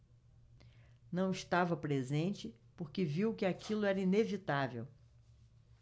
não estava presente porque viu que aquilo era inevitável